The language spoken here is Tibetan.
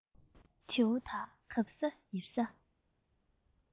བྱིའུ དག གབ ས ཡིབ ས